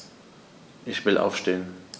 Ich will aufstehen.